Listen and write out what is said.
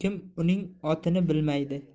kim uning otini bilmaydi